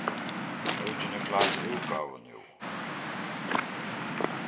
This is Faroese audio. bókin er klár til útgávu nú